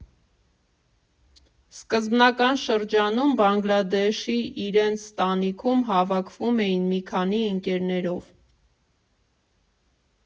Սկզբնական շրջանում Բանգլադեշի իրենց տանիքում հավաքվում էին մի քանի ընկերներով։